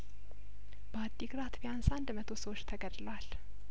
በሀዲ ግራት ቢያንስ አንድ መቶ ሰዎች ተገድለዋል